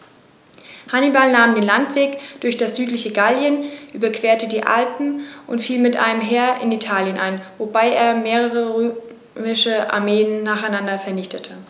Hannibal nahm den Landweg durch das südliche Gallien, überquerte die Alpen und fiel mit einem Heer in Italien ein, wobei er mehrere römische Armeen nacheinander vernichtete.